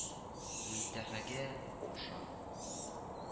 Мөнтәһагә аша